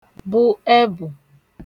bụ ẹbụ̀